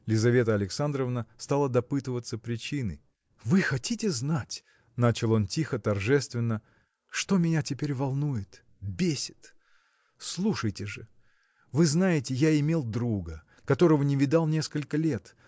Лизавета Александровна стала допытываться причины. – Вы хотите знать – начал он тихо торжественно – что меня теперь волнует бесит? Слушайте же вы знаете я имел друга которого не видал несколько лет